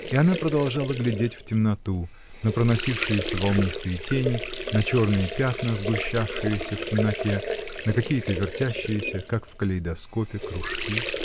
И она продолжала глядеть в темноту, на проносившиеся волнистые тени, на черные пятна, сгущавшиеся в темноте, на какие-то вертящиеся, как в калейдоскопе, кружки.